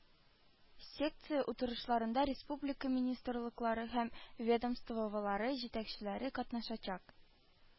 Секция утырышларында республика министрлыклары һәм ведомстволары җитәкчеләре катнашачак